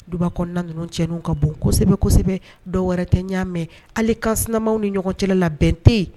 Duba kɔnɔna ninnucɛnin ka bon kosɛbɛ kosɛbɛ dɔw wɛrɛ tɛ y'a mɛn ale kan sinamanw ni ɲɔgɔncɛ la bɛnte yen